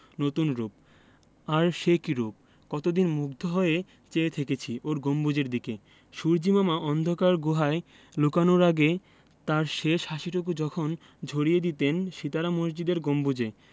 নতুন রুপ আর সে কি রুপ কতদিন মুগ্ধ হয়ে চেয়ে থেকেছি ওর গম্বুজের দিকে সূর্য্যিমামা অন্ধকার গুহায় লুকানোর আগে তাঁর শেষ হাসিটুকু যখন ঝরিয়ে দিতেন সিতারা মসজিদের গম্বুজে